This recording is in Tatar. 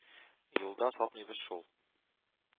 Юлда сатмыйбыз шул.